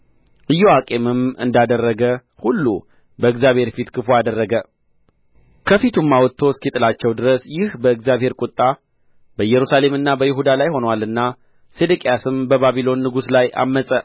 ኢዮአቄምም እንዳደረገ ሁሉ በእግዚአብሔር ፊት ክፉ አደረገ ከፊቱም አውጥቶ እስኪጥላቸው ድረስ ይህ በእግዚአብሔር ቍጣ በኢየሩሳሌምና በይሁዳ ላይ ሆኖአልና ሴዴቅያስም በባቢሎን ንጉሥ ላይ ዐመፀ